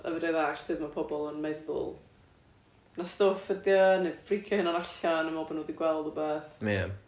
a fedra i ddalld sut ma' pobl yn meddwl na stwff ydy o neu ffricio'u hunain allan yn meddwl bod nhw 'di gweld wbath